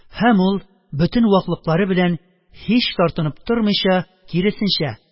Һәм ул бөтен ваклыклары белән, һич тартынып тормыйча, киресенчә